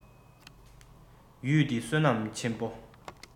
ཡུལ འདི བསོད ནམས ཆེན མོ